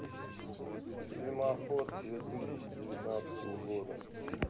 фильм охота две тысячи девятнадцатого года